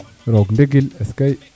roog ndigil eskey